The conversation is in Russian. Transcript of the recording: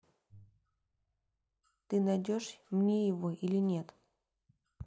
ты найдешь мне его или нет